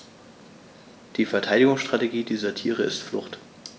Die Verteidigungsstrategie dieser Tiere ist Flucht.